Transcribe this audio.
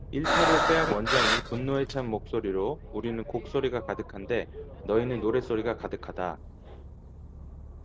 일타를 빼앗긴 원장이 분노에 찬 목소리로 우리는 곡소리가 가득한데 너희는 노랫소리가 가득하다